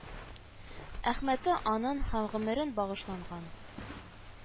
Әхмәте анын һәм гомерен багышланган